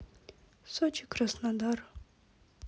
сочи краснодар